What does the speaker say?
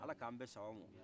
ala k'an bɛ sawaba man